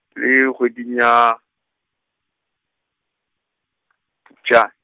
ke kgweding ya, Phupjane.